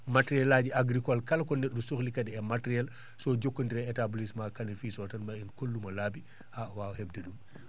matériel aji agricole kala ko ne??o sohli kadi e matériel so jokkonndire e établissement Kane et fils tan ma en kollumo laabi haa o wawa heɓde ?um